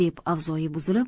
deb avzoyi buzilib